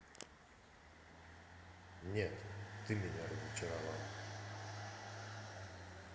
нет ты меня разочаровала